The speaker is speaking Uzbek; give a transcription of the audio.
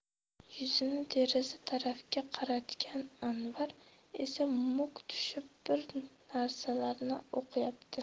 yuzini deraza tarafga qaratgan anvar esa muk tushib bir narsalarni o'qiyapti